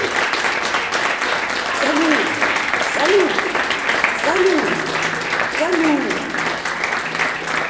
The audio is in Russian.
салют салют салют салют